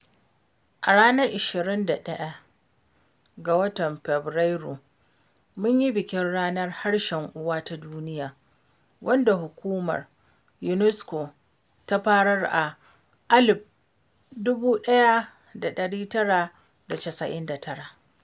A ranar 21 ga watan Fabrairu mun yi bikin ranar Harshen Uwa ta Duniya, wadda Hukumar UNESCO ta farar a 1999.